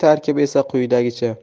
tarkibi esa quyidagicha